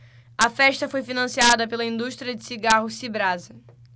a festa foi financiada pela indústria de cigarros cibrasa